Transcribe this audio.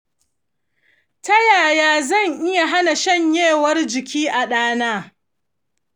ta yaya zan iya hana shanyewar jiki a ɗana?